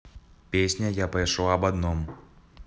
песня я прошу об одном